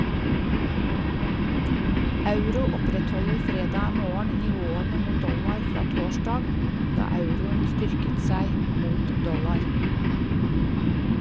Euro opprettholder fredag morgen nivåene mot dollar fra torsdag, da euroen styrket seg mot dollar.